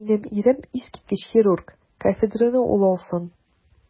Минем ирем - искиткеч хирург, кафедраны ул алсын.